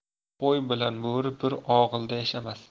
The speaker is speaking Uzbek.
qo'y bilan bo'ri bir og'ilda yashamas